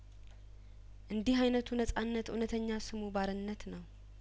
እንዲህ አይነቱ ነጻነት እውነተኛ ስሙ ባርነት ነው